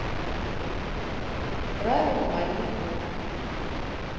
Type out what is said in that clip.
правила моей кухни